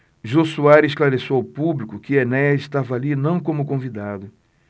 jô soares esclareceu ao público que enéas estava ali não como convidado